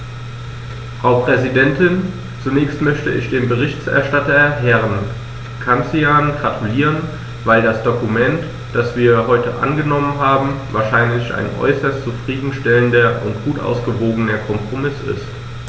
Frau Präsidentin, zunächst möchte ich dem Berichterstatter Herrn Cancian gratulieren, weil das Dokument, das wir heute angenommen haben, wahrlich ein äußerst zufrieden stellender und gut ausgewogener Kompromiss ist.